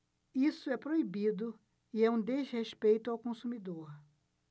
isso é proibido e é um desrespeito ao consumidor